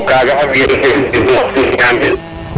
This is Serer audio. *